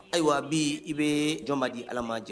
Ayiwa bi i bɛ jɔnma di ala madiya